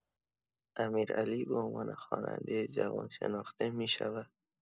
امیرعلی به عنوان خواننده جوان شناخته می‌شود.